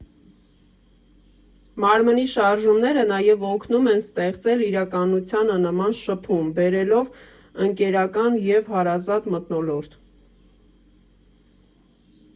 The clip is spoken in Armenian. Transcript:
Մարմնի շարժումները նաև օգնում են ստեղծել իրականությանը նման շփում՝ բերելով ընկերական և հարազատ մթնոլորտ։